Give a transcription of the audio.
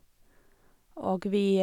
Og vi...